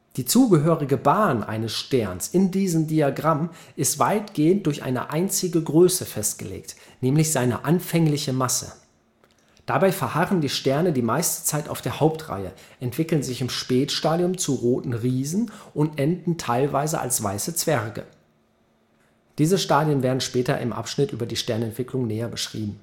Die zugehörige Bahn eines Sternes in diesem Diagramm ist weitgehend durch eine einzige Größe festgelegt, nämlich seine anfängliche Masse. Dabei verharren die Sterne die meiste Zeit auf der Hauptreihe, entwickeln sich im Spätstadium zu Roten Riesen und enden teilweise als Weiße Zwerge. Diese Stadien werden im Abschnitt über die Sternentwicklung näher beschrieben